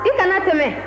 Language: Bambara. i kana tɛmɛ